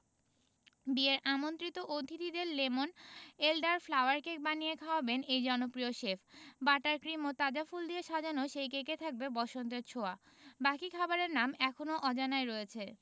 বিয়ের আমন্ত্রিত অতিথিদের লেমন এলডার ফ্লাওয়ার কেক বানিয়ে খাওয়াবেন এই জনপ্রিয় শেফ বাটার ক্রিম ও তাজা ফুল দিয়ে সাজানো সেই কেকে থাকবে বসন্তের ছোঁয়া বাকি খাবারের নাম এখনো অজানাই রয়েছে